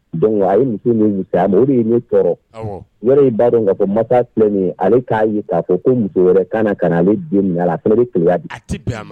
Donc a ye muso ni misɛnya de, o de ye ne tɔɔrɔ. Awɔ! Yarɔ, i b'a dɔn ka fɔ ko mansa filɛ ni ye ale. ka. ye ka fɔ ko muso kana k'ale den minɛ a la, a fana bɛ keleya. A tɛ bɛn a ma.